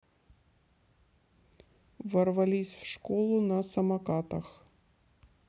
ворвались в школу на самокатах